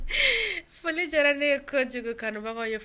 Foli jɛra kojugu kanubaga ye